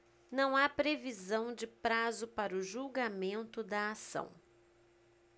não há previsão de prazo para o julgamento da ação